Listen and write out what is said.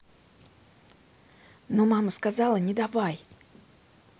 ну мама сказала не давай